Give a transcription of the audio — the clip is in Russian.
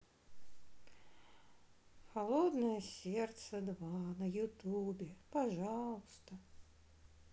холодное сердце два на ютубе пожалуйста